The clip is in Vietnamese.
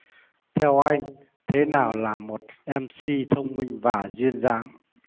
theo anh thế nào là một mc thông minh và duyên dáng